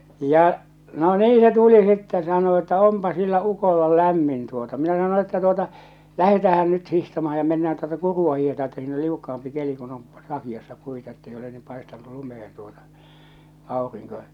ja no niin se tuli sitten sanoi että onpa sillä ukolla lämmin tuota minä sanoin että tuota lähdetäänhän nyt hiihtämään ja mennään tuota kurua hiihdetään että siinä oli liukkaampi keli kun on sakeassa puita että ei ole niin paistanut lumeen tuota aurinko